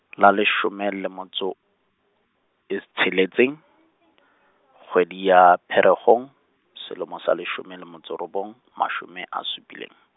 la leshome le motso, e tsheletseng , kgwedi ya Pherekgong, selemong sa leshome, le motso e robong, mashome a supileng.